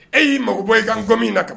E y'i mago bɔ ye ka n kɔ min na kama